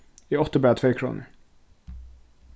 eg átti bara tveykrónur